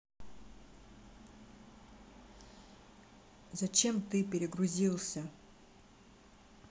зачем ты перегрузился